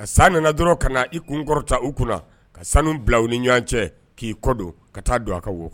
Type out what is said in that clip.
Sa nana dɔrɔn ka na i kun kɔrɔta u kunna. Ka sanu bila o ni ɲɔgɔn cɛ. K'i kɔ don ka taa don a ka wo